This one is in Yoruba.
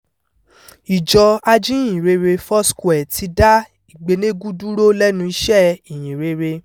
Ìjọ Ajíhìnrere Foursquare ti dá Igbeneghu dúró "lẹ́nu iṣẹ́ ìhìn rere".